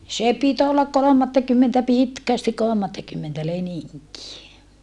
se piti olla kolmattakymmentä pitkästi kolmattakymmentä leninkiä